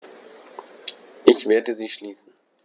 Ich werde sie schließen.